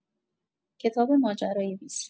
کتاب ماجرای بیست